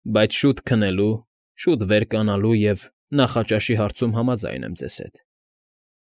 Բայց շուտ քնելու, շուտ վերկենալու և նախաճաշի հարցում համաձայն եմ ձեզ հետ։